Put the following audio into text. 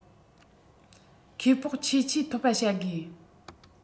ཁེ སྤོགས ཆེས ཆེ འཐོབ པ བྱ དགོས